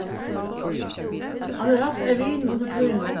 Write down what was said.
hann hevur havt ein vin undir krígnum